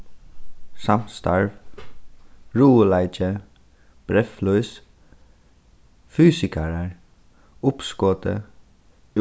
samstarv ruðuleiki breyðflís fysikarar uppskotið